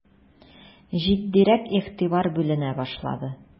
Җитдирәк игътибар бүленә башлады.